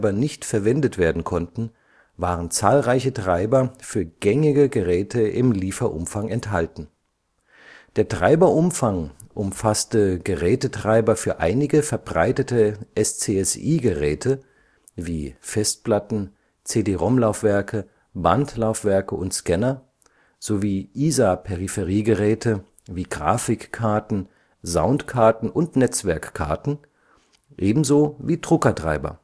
nicht verwendet werden konnten, waren zahlreiche Treiber für gängige Geräte im Lieferumfang enthalten. Der Treiberumfang umfasste Gerätetreiber für einige verbreitete SCSI-Geräte (wie Festplatten, CD-ROM-Laufwerke, Bandlaufwerke und Scanner) sowie ISA-Peripheriegeräte (wie Grafikkarten, Soundkarten und Netzwerkkarten), ebenso wie Druckertreiber